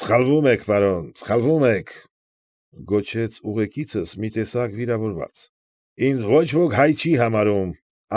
Սխալվում եք, պարոն, սխալվում եք,֊ գոչեց ուղեկիցս մի տեսակ վիրավորված,֊ ինձ ոչ ոք հայ չի համարում։